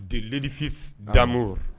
Delifin danbo